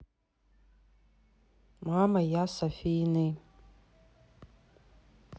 мама я с афиной